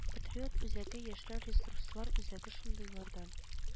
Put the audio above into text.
Патриот үзәге яшьләр ресурслар үзәге шундыйлардан